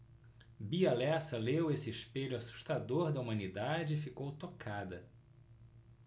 bia lessa leu esse espelho assustador da humanidade e ficou tocada